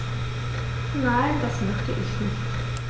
Nein, das möchte ich nicht.